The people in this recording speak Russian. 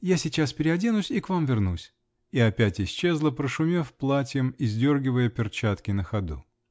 Я сейчас переоденусь и к вам вернусь, -- и опять исчезла, прошумев платьем и сдергивая перчатки на ходу.